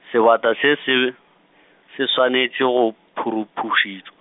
sebata se se be, se swanetše go phuruphušitšw-.